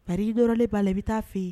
Paji dɔrɔn b'a la i bɛ taa fɛ yen